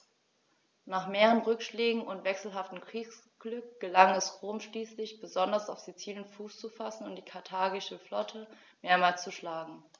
Nach mehreren Rückschlägen und wechselhaftem Kriegsglück gelang es Rom schließlich, besonders auf Sizilien Fuß zu fassen und die karthagische Flotte mehrmals zu schlagen.